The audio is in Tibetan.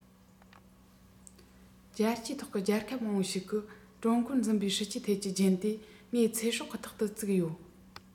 རྒྱལ སྤྱིའི ཐོག གི རྒྱལ ཁབ མང པོ ཞིག གི ཀྲུང གོར འཛིན པའི སྲིད ཇུས ཐད ཀྱི རྒྱན དེ ངའི ཚེ སྲོག གི ཐོག ཏུ བཙུགས ཡོད